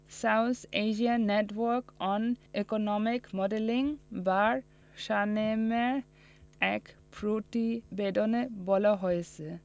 south Asian network on economic modelling বা সানেমের এক প্রতিবেদনে বলা হয়েছে